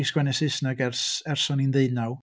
Sgwennu Saesneg ers ers o'n i'n ddeunaw.